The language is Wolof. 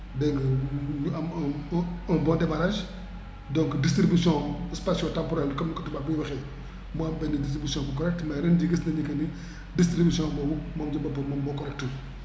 dégg nga ñu am un un bon démarrage donc distribution spatiotemporelle comme ni ko tubaab di waxee mu am benn didtribution bu correcte mais ren jii gis nañu que ni distribution boobu moom si boppam moom moo korektul